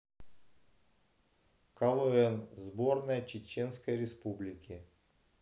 квн сборная чеченской республики